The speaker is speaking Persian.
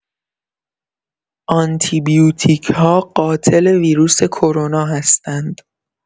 آنتی‌بیوتیک‌ها قاتل ویروس کرونا هستند.